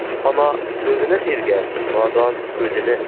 dono so'zini tergar nodon ko'zini